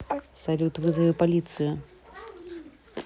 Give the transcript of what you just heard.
салют вызови полицию